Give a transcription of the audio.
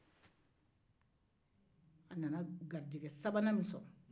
a nana garijɛgɛ sababan sɔrɔ